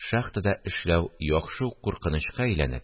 Шахтада эшләү яхшы ук куркынычка әйләнеп